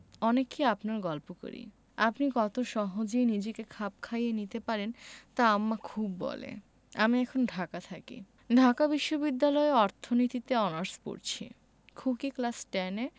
অনেককেই আপনার গল্প করি আপনি কত সহজে নিজেকে খাপ খাইয়ে নিতে পারেন তা আম্মা খুব বলে আমি এখন ঢাকা থাকি ঢাকা বিশ্ববিদ্যালয়ে অর্থনীতিতে অনার্স পরছি খুকি ক্লাস টেন এ